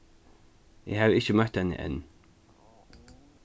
eg havi ikki møtt henni enn